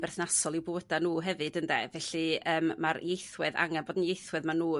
berthnasol i bywyda' n'w hefyd ynde? Felly yym ma'r ieithwedd angen bod yn ieithwedd ma' n'w yn